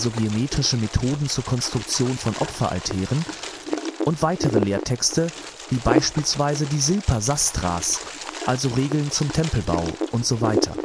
geometrische Methoden zur Konstruktion von Opferaltären) und weitere Lehrtexte wie beispielsweise die Silpa Sastras (Regeln zum Tempelbau) usw.